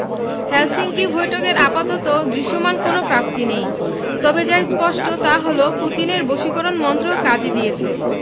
Helsinki বৈঠকের আপাতত দৃশ্যমান কোনো প্রাপ্তি নেই তবে যা স্পষ্ট তা হলো পুতিনের বশীকরণ মন্ত্র কাজে দিয়েছে